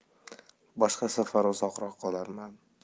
boshqa safar uzoqroq qolarman